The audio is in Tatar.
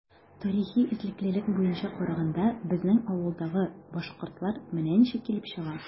Тарихи эзлеклелек буенча караганда, безнең авылдагы “башкортлар” менә ничек килеп чыга.